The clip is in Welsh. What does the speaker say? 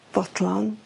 bodlon